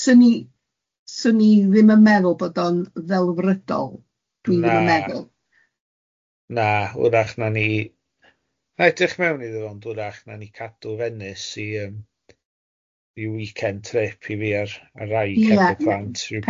Swn i, swn i ddim yn meddwl bod o'n ddelfrydol, dwi ddim yn meddwl. Na. Na, wrach, na ni wnawn ni edrych mewn iddo fo, ond wrach, wnawn ni cadw Venice i yym i weekend trip i fi a'r raig heb y plant rywbryd wrach.